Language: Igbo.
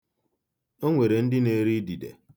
O nwere ndị na-eri idide.